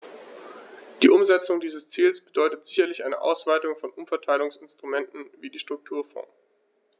Die Umsetzung dieses Ziels bedeutet sicherlich eine Ausweitung von Umverteilungsinstrumenten wie die Strukturfonds.